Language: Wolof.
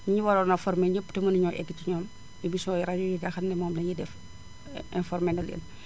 ñi ñu waroon a formé ñëpp te mënuñoo egg ci ñoom émissions yi rajo yi nga xam ne moom lañuy def informé na leen